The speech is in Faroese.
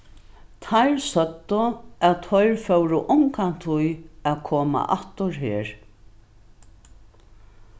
teir søgdu at teir fóru ongantíð at koma aftur her